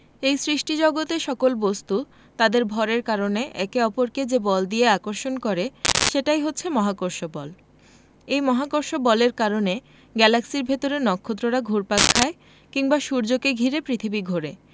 এই সৃষ্টিজগতের সকল বস্তু তাদের ভরের কারণে একে অপরকে যে বল দিয়ে আকর্ষণ করে সেটাই হচ্ছে মহাকর্ষ বল এই মহাকর্ষ বলের কারণে গ্যালাক্সির ভেতরে নক্ষত্ররা ঘুরপাক খায় কিংবা সূর্যকে ঘিরে পৃথিবী ঘোরে